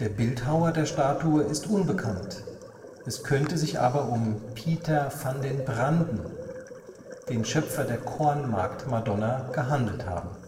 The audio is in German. Bildhauer der Statue ist unbekannt, es könnte sich aber um Pieter van den Branden, den Schöpfer der Kornmarkt-Madonna, gehandelt haben